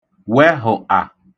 wehụ̀tà